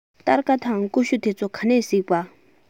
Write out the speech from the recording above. སྟར ཁ དང ཀུ ཤུ དེ ཚོ ག ནས གཟིགས པ